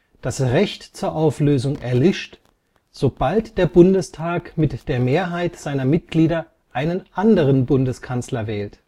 ²Das Recht zur Auflösung erlischt, sobald der Bundestag mit der Mehrheit seiner Mitglieder einen anderen Bundeskanzler wählt